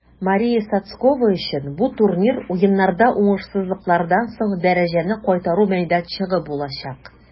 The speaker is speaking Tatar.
Мария Сотскова өчен бу турнир Уеннарда уңышсызлыклардан соң дәрәҗәне кайтару мәйданчыгы булачак.